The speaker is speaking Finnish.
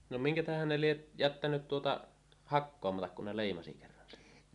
no minkä tähdenhän ne lie jättänyt tuota hakkaamatta kun ne leimasi kerran sen